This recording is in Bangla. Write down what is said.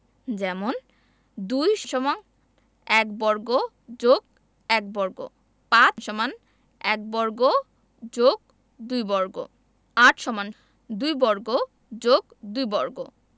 যেমনঃ ২ = ১ বর্গ + ১ বর্গ ৫ = ১ বর্গ + ২ বর্গ ৮ = ২ বর্গ + ২ বর্গ